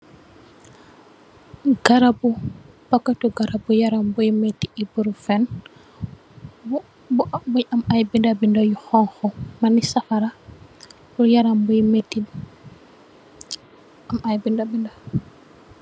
Garabu packatu garab bu yaram bui meti ibuprofen, bu bu ah bui am aiiy binda binda yu honhu melni safara, pur yaram bui meti, am aiiy binda binda.